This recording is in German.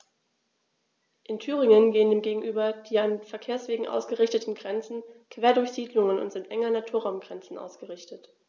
In Thüringen gehen dem gegenüber die an Verkehrswegen ausgerichteten Grenzen quer durch Siedlungen und sind eng an Naturraumgrenzen ausgerichtet.